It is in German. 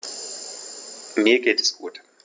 Mir geht es gut.